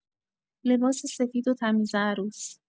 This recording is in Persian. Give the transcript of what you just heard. لباس سفید و تمیز عروس